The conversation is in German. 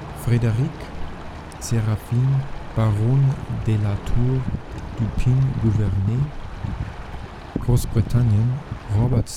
Frédéric Séraphin Baron de La Tour du Pin-Gouvernet Großbritannien Robert